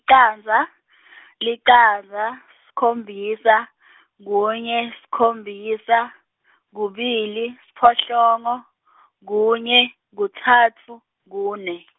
candza , licandza, sikhombisa , kunye, sikhombisa , kubili, siphohlongo , kunye, kutsatfu, kune.